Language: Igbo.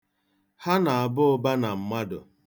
Ha na-aba ụba na mmadụ.